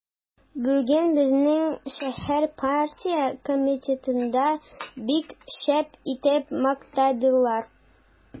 Бүген безне шәһәр партия комитетында бик шәп итеп мактадылар.